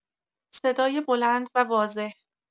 صدای بلند و واضح